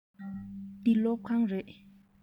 འདི སློབ ཁང རེད